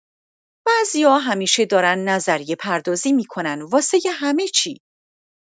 بعضیا همیشه دارن نظریه‌پردازی می‌کنن واسه همه‌چی!